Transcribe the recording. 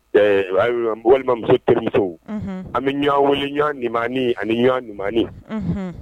Walimamuso teribimuso an bɛ ɲ ni ani